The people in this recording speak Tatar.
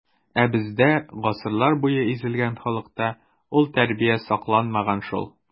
Ә бездә, гасырлар буе изелгән халыкта, ул тәрбия сакланмаган шул.